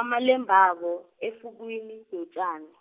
amalembabo, efukwini- yotjani.